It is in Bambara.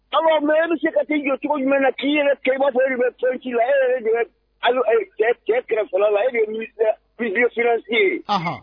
Awɔ mais e bɛ se ka t'i jɔ cogo jumɛn na k'i yɛrɛ kɛ i n'a fɔ e de bɛ fɛn ci la e yɛrɛ de cɛ kɛrɛfɛla la e de ye ministre des finances ye, anhan